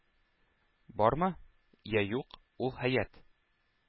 Бармы? Йә юк... ул хәят?